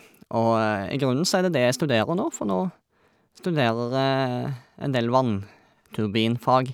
Og i grunnen så er det det jeg studerer nå, for nå studerer jeg en del vannturbinfag.